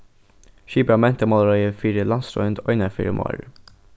skipar mentamálaráðið fyri landsroynd eina ferð um árið